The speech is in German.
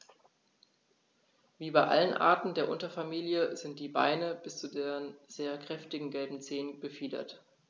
Wie bei allen Arten der Unterfamilie sind die Beine bis zu den sehr kräftigen gelben Zehen befiedert.